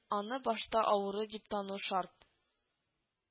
Аны башта авыру дип тану шарт